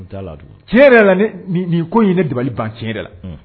N t'a la tugunu, tiɲɛ yɛrɛ yɛrɛ la nin ko ye ne dabali ban tiɲɛ yɛrɛ la.